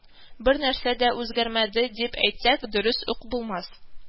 – бер нәрсә дә үзгәрмәде дип әйтсәк, дөрес үк булмас